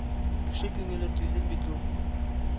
Кеше күңеле түзем бит ул.